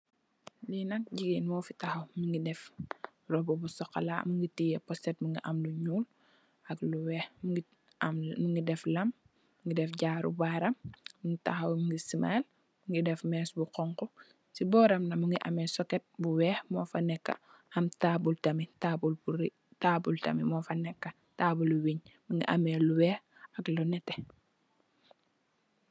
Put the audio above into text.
There's a lady standing here. She's wearing a brown dress and holding a black and white purse. She's wearing a bracelet and ring on her finger. She's smiling and has red extensions in her hair. There's a white socket near her and a metal table that has something white and yellow.